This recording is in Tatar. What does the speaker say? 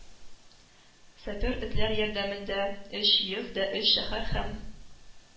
Сапер этләр ярдәмендә өч йөх дә өч шәһәр һәм